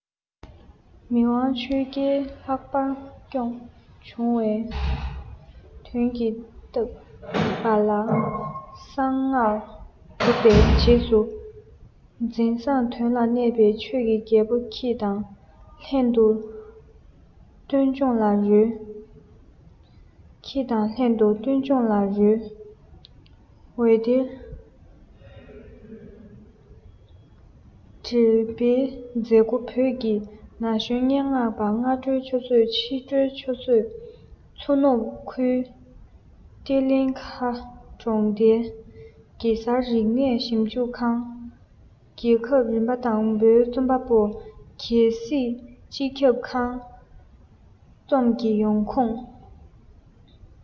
མི དབང ཆོས རྒྱལ ལྷག པར སྐྱོང འབྱུང པོའི གདོན གྱིས བཏབ པ ལ གསང སྔགས གྲུབ པས རྗེས སུ འཛིན བཟང དོན ལ གནས པའི ཆོས ཀྱི རྒྱལ པོ ཁྱེད དང ལྷན དུ སྟོན ལྗོངས ལ རོལ ཁྱེད དང ལྷན དུ སྟོན ལྗོངས ལ རོལ འོད སྡེར འགྲེམ སྤེལ མཛད སྒོ བོད ཀྱི ན གཞོན སྙན ངག པ སྔ དྲོའི ཆུ ཚོད ཕྱི དྲོའི ཆུ ཚོད མཚོ ནུབ ཁུལ གཏེར ལེན ཁ གྲོང རྡལ གེ སར རིག གནས ཞིབ འཇུག ཁང རྒྱལ ཁབ རིམ དང པོའི རྩོམ པ པོ རྒྱལ སྲིད སྤྱི ཁྱབ ཁང རྩོམ གྱི ཡོང ཁུངས